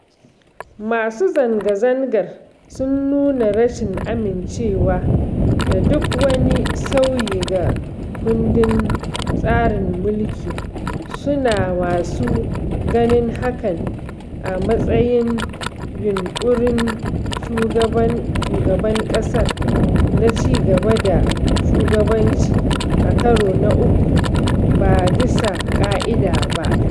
Masu zanga-zangar sun nuna rashin amincewa da duk wani sauyi ga kundin tasrin mulki, su na masu ganin hakan a matsayin yunƙurin shugaban ƙasar na cigaba da shuaganci a karo na uku ba bisa ƙa'ida ba.